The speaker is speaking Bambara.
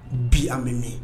Bi an be min?